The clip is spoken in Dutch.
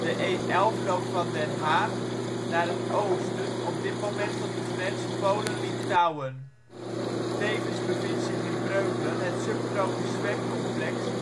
De E11 loopt van Den Haag naar het oosten, op dit moment tot de grens Polen/Litouwen. Tevens bevindt zich in Breukelen het subtropisch zwemcomplex